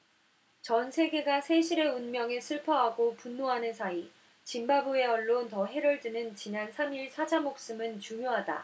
전세계가 세실의 운명에 슬퍼하고 분노하는 사이 짐바브웨 언론 더헤럴드는 지난 삼 일 사자 목숨은 중요하다